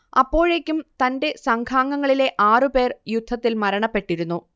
അപ്പോഴേക്കും തന്റെ സംഘാംങ്ങളിലെ ആറു പേർ യുദ്ധത്തിൽ മരണപ്പെട്ടിരുന്നു